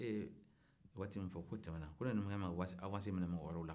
i ye waati min fɔ ko tɛmɛna ko ne dun ye awansi minɛ mɔgɔ wɛrɛw la